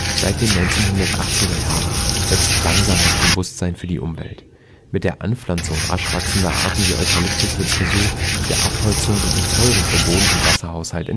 Seit den 1980er Jahren wächst langsam das Bewusstsein für die Umwelt. Mit der Anpflanzung rasch wachsender Arten wie Eukalyptus wird versucht, der Abholzung und den Folgen für Boden und Wasserhaushalt